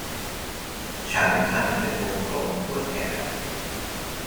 ฉันคันเป็นวงกลมทั่วแขน